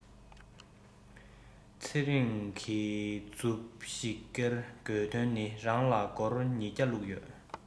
བུ ཚེ རིང གྱི མཛུབ ཞིག ཀེར དགོས དོན ནི རང ལ དང ནང སྒོར ཉི བརྒྱ བླུག ཡོད